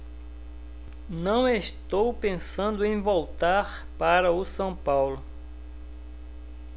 não estou pensando em voltar para o são paulo